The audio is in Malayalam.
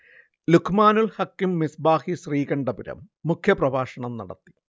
ലുഖ്മാനുൽ ഹക്കീം മിസ്ബാഹി ശ്രീകണ്ഠപുരം മുഖ്യ പ്രഭാഷണം നടത്തി